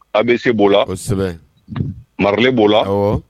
A bɛ se b'o la o kosɛbɛ marakɛ b'o la ɔ